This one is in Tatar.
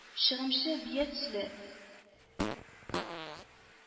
Чыгымчы бия төсле